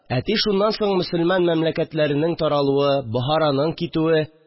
Әти шуннан соң мөселман мәмләкәтләренең таралуы, Бохараның китүе